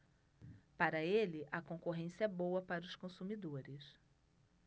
para ele a concorrência é boa para os consumidores